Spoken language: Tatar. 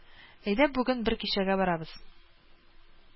Әйдә, бүген бер кичәгә барабыз